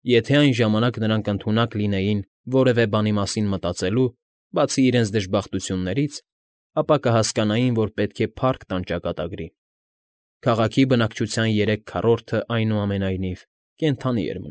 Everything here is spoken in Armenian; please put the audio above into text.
Եթե այն ժամանակ նրանք ընդունակ լինեին որևէ բանի մասին մտածելու, բացի իրենց դժբախտություններից, ապա կհասկանային, որ պետք է փառք տան ճակատագրին. քաղաքի բնակչության երեք քառորդն, այնուամենայնիվ, կենդանի էր։